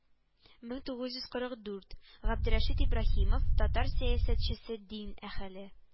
Мең тугыз йөз кырык дүрт габдрәшит ибраһимов, татар сәясәтчесе, дин әһеле